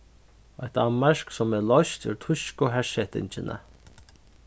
eitt danmark sum er loyst úr týsku hersetingini